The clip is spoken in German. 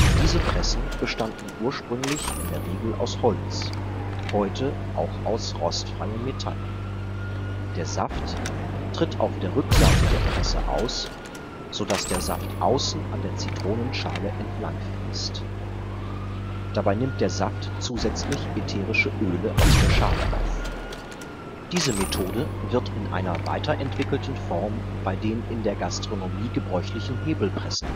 Diese Pressen bestanden ursprünglich in der Regel aus Holz, heute auch aus rostfreiem Metall. Der Saft tritt auf der Rückseite der Presse aus, so dass der Saft außen an der Zitronenschale entlang fließt. Dabei nimmt der Saft zusätzlich ätherische Öle aus der Schale auf. Diese Methode wird in einer weiterentwickelten Form bei den in der Gastronomie gebräuchlichen Hebelpressen